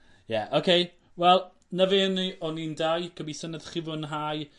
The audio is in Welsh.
le oce wel 'na fe o ni o ni'n dau. Gobitho nathoch chi fwynhau.